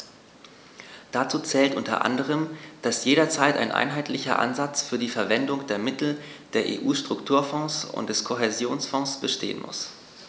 Dazu zählt u. a., dass jederzeit ein einheitlicher Ansatz für die Verwendung der Mittel der EU-Strukturfonds und des Kohäsionsfonds bestehen muss.